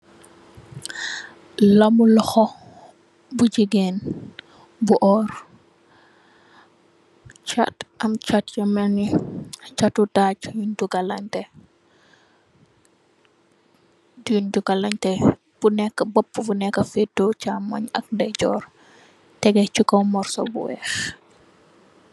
Laamu loxo bu jigéen bu orr cxat am cxat yu melni cxatu daag yun dugalante di dugalante bu neka mbuba bu neka fetoo cxamun ak ndeyejorr tegeh si kaw murso bu weex.